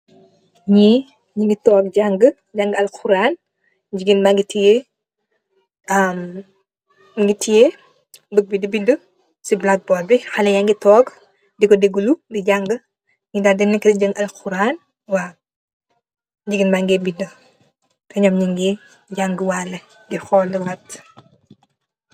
Njee njungy tok jangue, jangue Al Qur'an, gigain bangy tiyeh ahm, mungy tiyeh book bii dii bindue cii blackboard bii, haleh yangy tok dikor deglu dii jangue, njee daal dengh nekue dii jangue Al Qur'an waw, gigain bangeh bindue teh njom njungeh janguwaleh dii hol luwat.